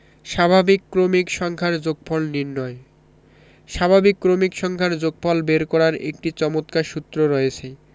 স্বাভাবিক ক্রমিক সংখ্যার যোগফল নির্ণয় স্বাভাবিক ক্রমিক সংখ্যার যোগফল বের করার একটি চমৎকার সূত্র রয়েছে